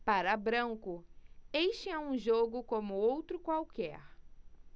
para branco este é um jogo como outro qualquer